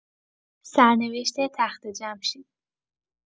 سرنوشت تخت‌جمشید